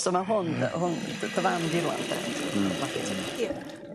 So ma' hwn efo'n n- d- dy fam di rŵan 'de yn- d- nath magu ti. Hmm hmm. Ie